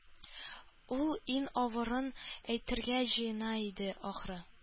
Ул иң авырын әйтергә җыена иде, ахры